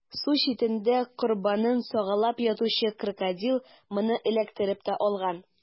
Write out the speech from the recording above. Су читендә корбанын сагалап ятучы Крокодил моны эләктереп тә алган.